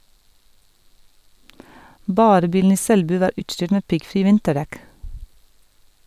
Bare bilen i Selbu var utstyrt med piggfri vinterdekk.